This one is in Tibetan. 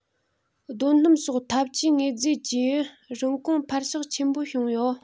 རྡོ སྣུམ སོགས འཐབ ཇུས དངོས རྫས ཀྱི རིན གོང འཕར ཆག ཆེན པོ བྱུང ཡོད